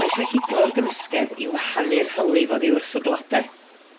mae isio hidlo'r gymysgedd i wahanu'r hylif oddi wrth y blode.